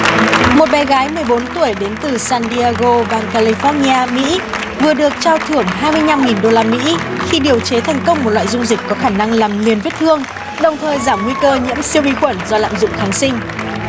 một bé gái mười bốn tuổi đến từ san đi a gô bang ca li phóc ni a mỹ vừa được trao thưởng hai mươi lăm nghìn đô la mỹ khi điều chế thành công một loại dung dịch có khả năng làm liền vết thương đồng thời giảm nguy cơ nhiễm siêu vi khuẩn do lạm dụng kháng sinh